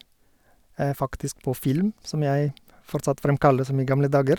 Faktisk på film, som jeg fortsatt fremkaller som i gamle dager.